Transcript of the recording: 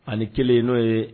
Hali kelen ye n'o ye